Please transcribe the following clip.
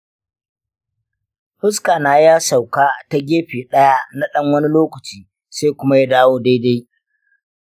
fuska na ya sauka ta gefe ɗaya na ɗan lokaci sai kuma ya dawo daidai.